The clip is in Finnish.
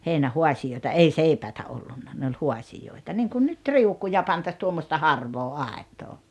heinähaasioita ei seipäitä ollut ne oli haasioita niin kuin nyt riukuja pantaisiin tuommoista harvaa aitaa